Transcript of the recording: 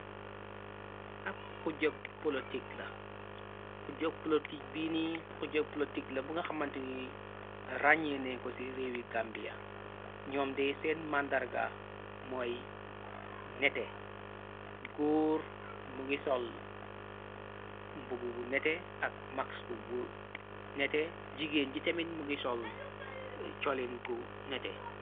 Ab xujab politik la jogobini xujog plotik la bu nga xamanti ni rañee neenko ci réwi gambia ñoomde seen màndarga mooy nete góor mu ngi sol mbubu bu nete ak maxco bu nete jigéen ji temit mungi ol colin gu nete.